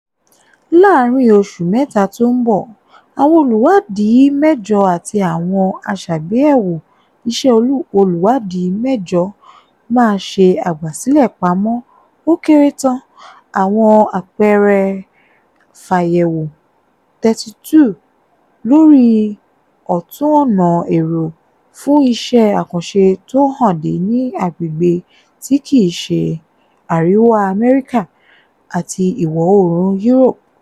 Láàárín oṣù mẹ́ta tó ń bọ̀, àwọn olùwádìí mẹ́jọ àti àwọn aṣàgbéyẹ̀wò iṣẹ́ olùwádìí mẹ́jọ máa ṣe àgbàsìlẹ̀-pamọ́ ó kéré tán, àwọn àpeere fáyẹ̀wò 32 lórí ọ̀tun ọ̀nà ẹ̀rọ fún iṣẹ́ àkànṣe tó hànde ní agbègbè tí kìí ṣe Àríwá Amẹ́ríkà àti Ìwọ̀-oòrùn Europe.